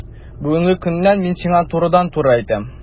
Бүгенге көннән мин сиңа турыдан-туры әйтәм: